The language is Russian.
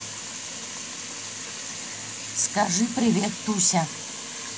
скажи привет туся